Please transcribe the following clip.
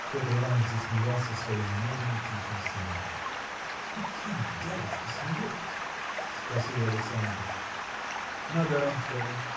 Петр Иваныч засмеялся своим мерным, тихим смехом. – Над кем вы, дядюшка, смеетесь? – спросил Александр. – Над автором